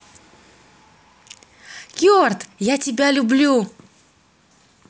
керт я тебя люблю